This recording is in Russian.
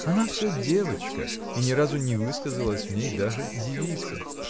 Она всё девочка, и ни разу не высказалась в ней даже девица.